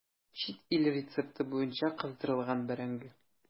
Чит ил рецепты буенча кыздырылган бәрәңге.